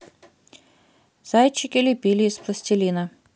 зайчики лепить из пластилина